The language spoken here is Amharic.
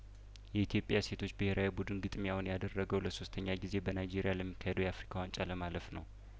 የኢትዮጵያ ሴቶች ብሄራዊ ቡድን ግጥሚያውን ያደረገው ለሶስተኛ ጊዜ በናይጄሪያ ለሚካሄደው የአፍሪካ ዋንጫ ለማለፍ ነው